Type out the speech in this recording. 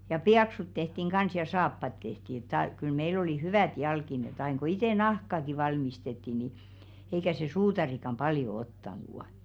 ja pieksut tehtiin kanssa ja saappaat tehtiin että - kyllä meillä oli hyvät jalkineet aina kun itse nahkakin valmistettiin niin eikä se suutarikaan paljon ottanut